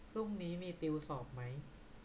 พรุ่งนี้มีติวสอบมั้ย